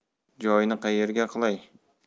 joyni qayerga qilay